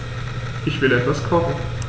Ich will etwas kochen.